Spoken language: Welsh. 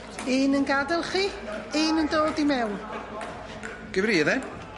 Un yn gad'el chi. Un yn dod i mewn. Gyda fi yfe?